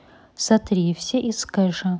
сотри все из кэша